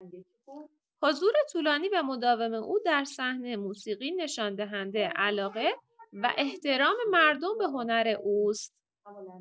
حضور طولانی و مداوم او در صحنه موسیقی نشان‌دهنده علاقه و احترام مردم به هنر اوست.